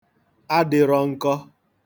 adị̄rọ̄ n̄kọ̄